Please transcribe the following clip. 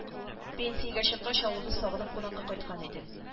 Пенсиягә чыккач авылны сагынып кунакка кайткан иде